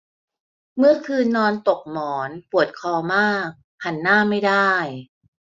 เมื่อคืนนอนตกหมอนปวดคอมากหันหน้าไม่ได้